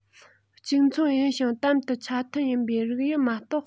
གཅིག མཚུངས ཡིན ཞིང དམ དུ ཆ མཐུན ཡིན པའི རིགས དབྱིབས མ གཏོགས